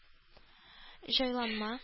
Җайланма